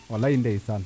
walay ndeysaan